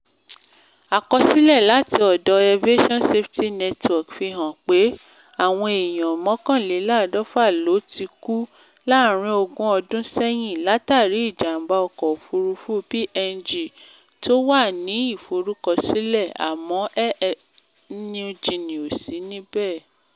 Àkọsílẹ̀ láti ọ̀dọ Aviation Safety Network fi hàn pé àwọn èèyàn 111 ló ti kú láàrin ogún ọdún sẹ́yìn látàrí ìjàm̀bá ọkọ-òfúrufú PNG tó wà ní ìforúkọsílẹ̀ , àmọ́ Air Niugini ò sí níbẹ̀.